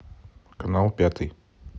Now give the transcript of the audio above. канал пятый